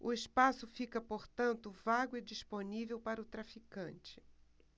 o espaço fica portanto vago e disponível para o traficante